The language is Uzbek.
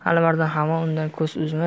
alimardon hamon undan ko'z uzmay